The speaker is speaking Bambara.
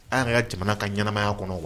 An y' ka jamana ka ɲɛnaɛnɛmaya kɔnɔ wa